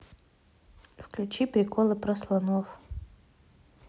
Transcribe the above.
включи приколы про слонов